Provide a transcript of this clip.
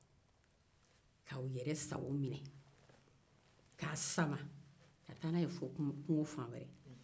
ka yɛrɛsago mine k'a sama ka taa n'a ye fo kungo fan wɛrɛ